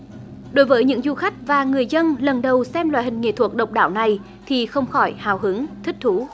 đối với những du khách và người dân lần đầu xem loại hình nghệ thuật độc đáo này thì không khỏi hào hứng thích thú